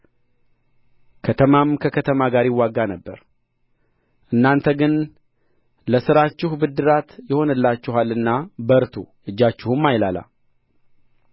ከተማም ከከተማ ጋር ይዋጋ ነበር እናንተ ግን ለሥራችሁ ብድራት ይሆንላችኋልና በርቱ እጃችሁም አይላላ